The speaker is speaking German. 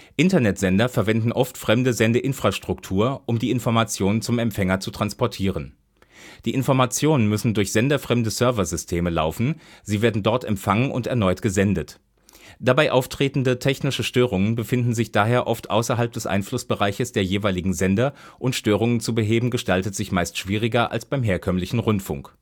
Internet-Sender verwenden oft fremde Sende-Infrastruktur um die Informationen zum Empfänger zu transportieren. Die Informationen müssen durch senderfremde Serversysteme laufen, sie werden dort empfangen und erneut gesendet. Dabei auftretende technische Störungen befinden sich daher oft außerhalb des Einflussbereiches der jeweiligen Sender und Störungen zu beheben gestaltet sich meist schwieriger als beim herkömmlichen Rundfunk